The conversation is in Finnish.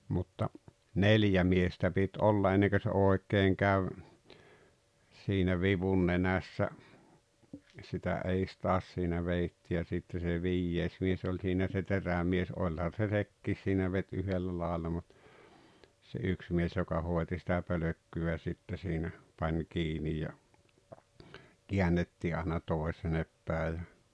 mutta neljä miestä piti olla ennen kun se oikein kävi siinä vivun nenässä sitä edes taas siinä vedettiin ja sitten se viides mies oli siinä se terämies olihan se sekin siinä veti yhdellä lailla mutta se yksi mies joka hoiti sitä pölkkyä sitten siinä pani kiinni ja käännettiin aina toisin päin ja